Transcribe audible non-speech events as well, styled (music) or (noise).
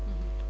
(hesitation) (hesitation)